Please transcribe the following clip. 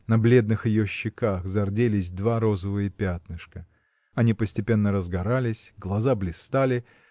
на бледных ее щеках зарделись два розовых пятнышка. Они постепенно разгорались глаза блистали